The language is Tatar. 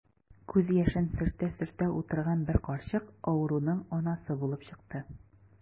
Күз яшен сөртә-сөртә утырган бер карчык авыруның анасы булып чыкты.